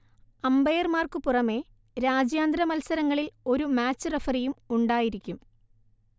അമ്പയർമാർക്കു പുറമേ രാജ്യാന്തര മത്സരങ്ങളിൽ ഒരു മാച്ച് റഫറിയും ഉണ്ടായിരിക്കും